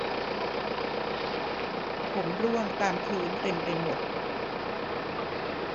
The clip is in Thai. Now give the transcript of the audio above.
ผมร่วงตามพื้นเต็มไปหมด